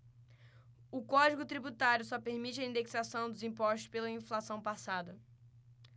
o código tributário só permite a indexação dos impostos pela inflação passada